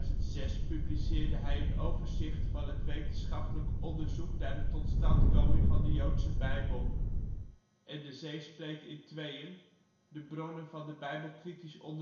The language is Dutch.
In 2006 publiceerde hij een overzicht van het wetenschappelijk onderzoek naar de totstandkoming van de Joodse Bijbel: En de zee spleet in tweeën: de bronnen van de bijbel kritisch onderzocht